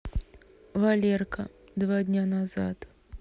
валерка два дня назад